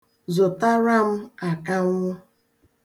Zụtara m akanwụ.